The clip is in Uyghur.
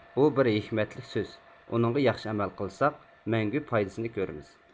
بۇ بىر ھېكمەتلىك سۆز ئۇنىڭغا ياخشى ئەمەل قىلساق مەڭگۈ پايدىسىنى كۆرىمىز